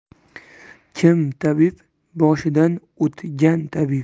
kim tabib boshidan o'tgan tabib